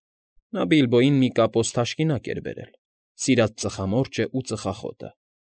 Նա Բիլբոյին մի կապոց թաշկինակ էր բերել, սիրած ծխամորճն ու ծխախոտը։